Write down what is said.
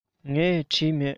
ངས བྲིས མེད